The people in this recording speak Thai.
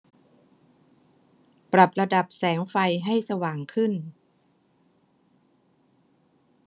ปรับระดับแสงไฟให้สว่างขึ้น